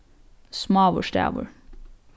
smáur stavur